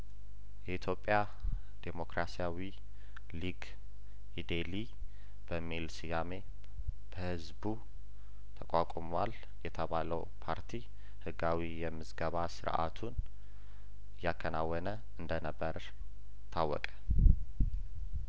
የኢትዮጵያ ዴሞክራሲያዊ ሊግ ኢዴሊበ ሚል ስያሜ በህዝቡ ተቋቁሟል የተባለው ፓርቲ ህጋዊ የምዝገባ ስርአቱን እያከናወነ እንደነበር ታወቀ